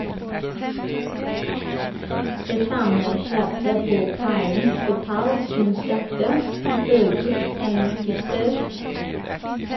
Det samme skjedde på kaien på Tau onsdag kveld, ifølge en tipser.